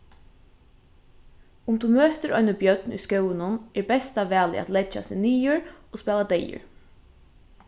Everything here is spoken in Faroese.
um tú møtir eini bjørn í skóginum er besta valið at leggja seg niður og spæla deyður